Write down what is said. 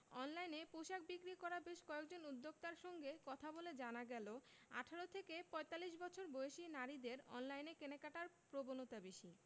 অনলাইনে পোশাক বিক্রি করা বেশ কয়েকজন উদ্যোক্তার সঙ্গে কথা বলে জানা গেল ১৮ থেকে ৪৫ বছর বয়সী নারীদের অনলাইনে কেনাকাটার প্রবণতা বেশি